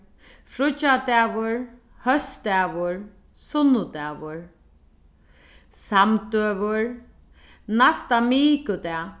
fríggjadagur hósdagur sunnudagur samdøgur næsta mikudag